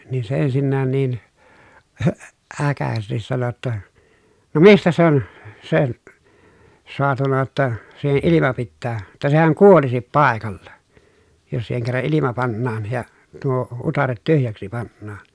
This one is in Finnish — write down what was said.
niin se ensinnäkin niin - äkäisesti sanoi jotta no mistä se on sen saatu jotta siihen ilma pitää että sehän kuolisi paikalla jos siihen kerran ilma pannaan ja tuo utareet tyhjäksi pannaan